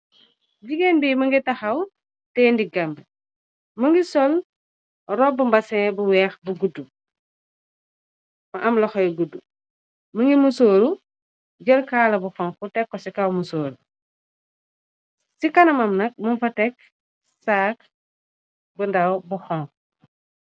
jigéen bi mugi taxaw tee yeh ndi gam mu ngi sol robbu mbasin bu weex bu guddu mu am loxoy yu guddu mugi mu sooru jël kaala bu xonku tekko ci kaw mu sooru ci kanamam nak mum fa tekk saag bu ndaw bu xonk.